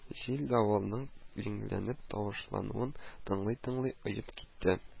Җил-давылның җенләнеп тавышлануын тыңлый-тыңлый оеп китте